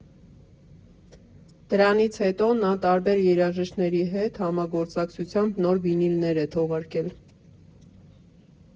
Դրանից հետո նա տարբեր երաժիշտների հետ համագործակցությամբ նոր վինիլներ է թողարկել։